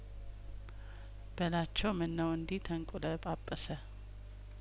በላቸው ምነው እንዲህ ተንቆለጳጰሰ